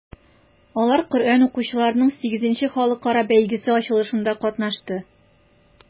Алар Коръән укучыларның VIII халыкара бәйгесе ачылышында катнашты.